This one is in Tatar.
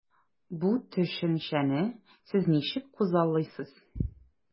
Бу төшенчәне сез ничек күзаллыйсыз?